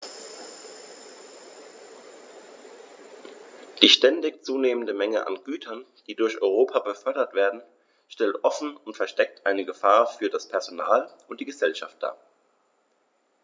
Die ständig zunehmende Menge an Gütern, die durch Europa befördert werden, stellt offen oder versteckt eine Gefahr für das Personal und die Gesellschaft dar.